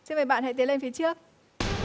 xin mời bạn hãy tiến lên phía trước